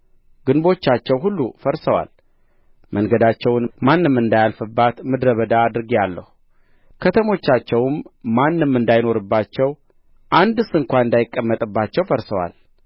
ግንቦቻቸው ሁሉ ፈርሰዋል መንገዳቸውን ማንም እንዳያልፍባት ምድረ በዳ አድርጌአለሁ ከተሞቻቸውም ማንም እንዳይኖርባቸው አንድስ እንኳ እንዳይቀመጥባቸው ፈርሰዋል